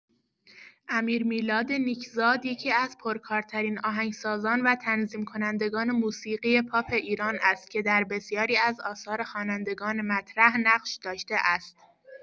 امیرمیلاد نیک‌زاد یکی‌از پرکارترین آهنگسازان و تنظیم‌کنندگان موسیقی پاپ ایران است که در بسیاری از آثار خوانندگان مطرح نقش داشته است.